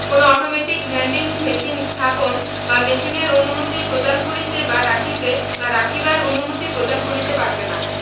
কোন automatic vending machine স্থাপন বা স্থাপনের অনুমতি প্রদান করিতে বা রাখিতে বা রাখিবার অনুমতি প্রদান করিতে পারিবে না